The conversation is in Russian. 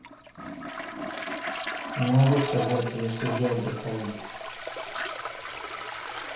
не могу сказать я сижу отдыхаю